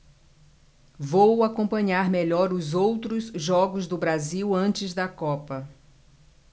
vou acompanhar melhor os outros jogos do brasil antes da copa